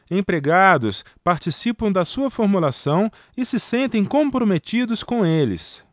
empregados participam da sua formulação e se sentem comprometidos com eles